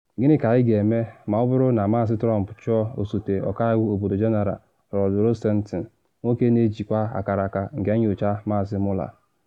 Gịnị ka anyị ga-eme ma ọ bụrụ na Maazị Trump chụọ Osote Ọkaiwu Obodo General Rod Rosenstein, nwoke na ejikwa akaraka nke nyocha Maazị Mueller?